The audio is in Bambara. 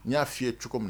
N y'a f'i ye cogo min